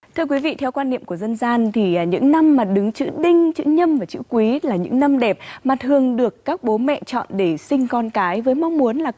thưa quý vị theo quan niệm của dân gian thì những năm mà đứng chữ đinh chữ nhâm và chữ quý là những năm đẹp mà thường được các bố mẹ chọn để sinh con cái với mong muốn là